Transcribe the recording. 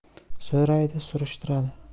so'raydi surishtiradi